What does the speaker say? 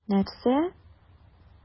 Нәрсә?!